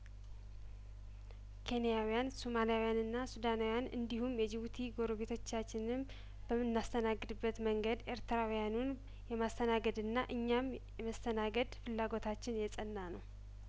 ኬንያውያን ሱማሌ ያውያንና ሱዳናውያን እንዲሁም የጅቡቲ ጐረቤቶቻችን በምና ስተናግድ በት መንገድ ኤርትራውያኑን የማስተናገድና እኛም የመስተናገድ ፍላጐታችን የጸና ነው